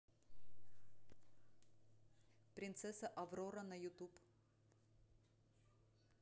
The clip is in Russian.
принцесса аврора на ютуб